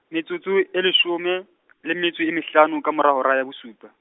metsotso e leshome , le metso e mehlano, ka morao ho hora ya bosupa.